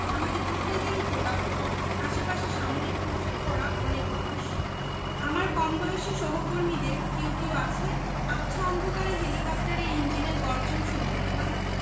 আমাকে কোথায় জানি তোলা হলো আশেপাশে সামরিক পোশাক পরা অনেক মানুষ আমার কমবয়সী সহকর্মীদের কেউ কেউ আছে আবছা অন্ধকারে হেলিকপ্টারের ইঞ্জিনের গর্জন শুনতে পেলাম